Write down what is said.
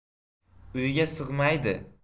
uyga sig'maydi